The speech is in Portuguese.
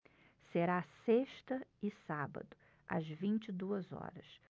será sexta e sábado às vinte e duas horas